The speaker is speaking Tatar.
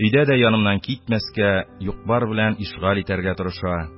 Өйдә дә яныннан китмәскә, юк-бар белән ишгаль итәргә тырыша.